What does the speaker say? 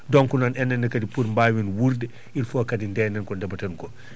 donc noon enen ne kadi pour mbaawen wuurde il faut kadi ndenen ko ndeematen ko